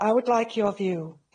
I would like your view.